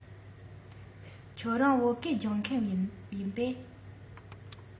ཁྱེད རང བོད སྐད སྦྱོང མཁན ཡིན པས